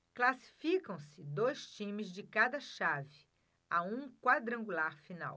classificam-se dois times de cada chave a um quadrangular final